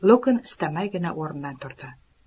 lukn istamaygina o'rnidan turdi